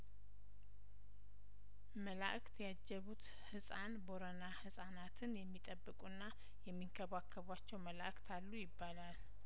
መላእክት ያጀቡት ህጻን ቦረና ህጻናትን የሚጠብቁና የሚንከባከቧቸው መላእክት አሉ ይባላል